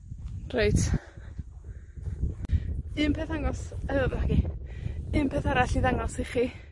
Reit, un peth ddangos, yy, nagi. Un peth arall i ddangos i chi,